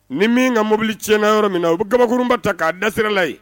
Ni min ŋa mobili tiɲɛna yɔrɔ min na o be gabakurunba ta k'a da sirala ye